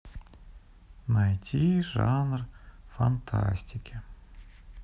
найти жанр фантастики